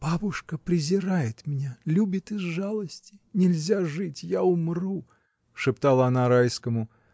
— Бабушка презирает меня, любит из жалости! Нельзя жить, я умру! — шептала она Райскому.